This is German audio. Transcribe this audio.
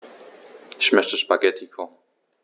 Ich möchte Spaghetti kochen.